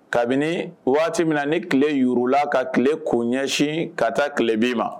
Kabini waati min ni tile yugula ka tile k' ɲɛsin ka taa tileb ma